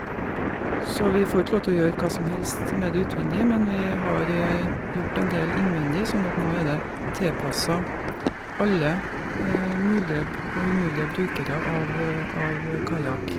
Så vi får ikke lov til å gjøre hva som helst med det utvendig, men vi har gjort en del innvendig, sånn at nå er det tilpassa alle mulige b og umulige brukere av av kajak.